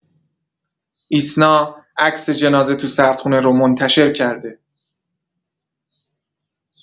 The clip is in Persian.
ایسنا عکس جنازه تو سردخونه رو منتشر کرده.